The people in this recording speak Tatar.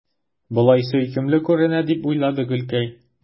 Болай сөйкемле күренә, – дип уйлады Гөлкәй.